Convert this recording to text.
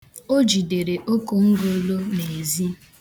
O jidere okongolo n'ezi.